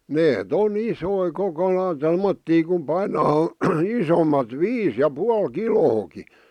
ne on isoja koko lailla tuommoisia kun painaa isommat viisi ja puoli kiloakin